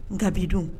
Gabidon